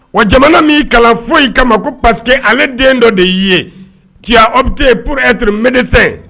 Wa jamana m'i kalan foyi kama ko parce que ale den dɔ de y'i ye, tu as opté pour être médécin